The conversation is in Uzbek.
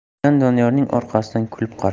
ketayotgan doniyorning orqasidan kulib qaradi